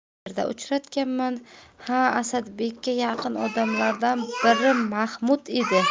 qaerda uchratganman ha asadbekka yaqin odamlardan biri mahmud edi